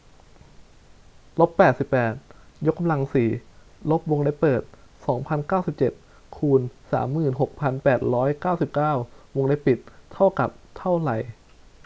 ลบแปดสิบแปดยกกำลังสี่ลบวงเล็บเปิดสองพันเก้าสิบเจ็ดคูณสามหมื่นหกพันแปดร้อยเก้าสิบเก้าวงเล็บปิดเท่ากับเท่าไร